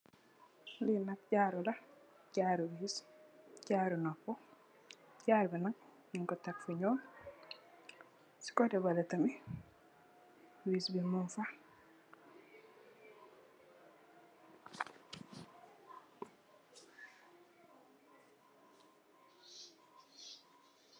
Li nak jaru la, jaru wiis jaru nopuh. Jaru bi nak ñing ko tèk fu ñuul, si koteh baleh tamid wiis bi mung fa.